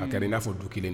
A kɛra i n'a fɔ du 1